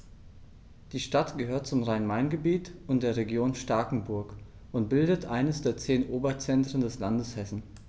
Die Stadt gehört zum Rhein-Main-Gebiet und der Region Starkenburg und bildet eines der zehn Oberzentren des Landes Hessen.